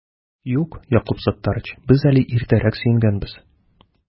Юк, Якуб Саттарич, без әле иртәрәк сөенгәнбез